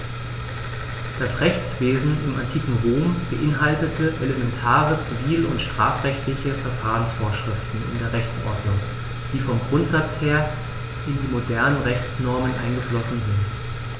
Das Rechtswesen im antiken Rom beinhaltete elementare zivil- und strafrechtliche Verfahrensvorschriften in der Rechtsordnung, die vom Grundsatz her in die modernen Rechtsnormen eingeflossen sind.